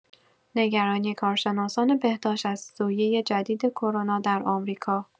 نگرانی کارشناسان بهداشت از سویه جدید کرونا در آمریکا